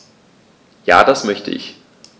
Ja, das möchte ich.